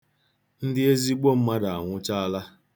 Ndị ezigbo mmadụ anwụchaala.